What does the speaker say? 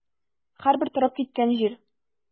Һәрбер торып киткән җир.